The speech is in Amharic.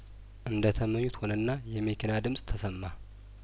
እንደተመኙት ሆነና የመኪና ድምጽ ተሰማ